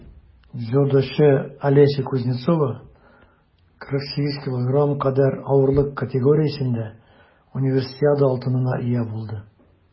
Дзюдочы Алеся Кузнецова 48 кг кадәр авырлык категориясендә Универсиада алтынына ия булды.